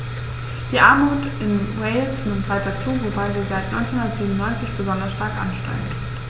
Die Armut in Wales nimmt weiter zu, wobei sie seit 1997 besonders stark ansteigt.